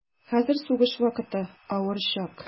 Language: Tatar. Хәзер сугыш вакыты, авыр чак.